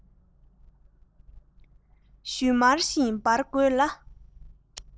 ཞུན མར བཞིན འབར དགོས ལ